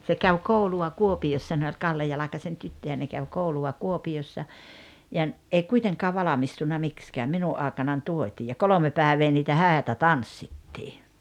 se kävi koulua Kuopiossa ne oli Kalle Jalkasen tyttöjä ne kävi koulua Kuopiossa ja - ei kuitenkaan valmistunut miksikään minun aikanani tuotiin ja kolme päivää niitä häitä tanssittiin